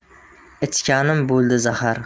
ichganim bo'ldi zahar